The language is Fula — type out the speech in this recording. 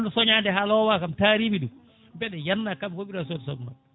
kono nde soñade ha lowa kam tarimi ɗum mbeɗa yenana kalmɓe fo mbiɗa wawi sodde soble mabɓe